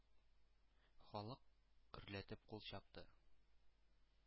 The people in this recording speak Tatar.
...халык гөрләтеп кул чапты.